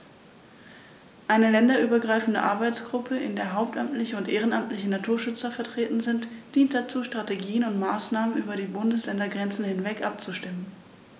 Eine länderübergreifende Arbeitsgruppe, in der hauptamtliche und ehrenamtliche Naturschützer vertreten sind, dient dazu, Strategien und Maßnahmen über die Bundesländergrenzen hinweg abzustimmen.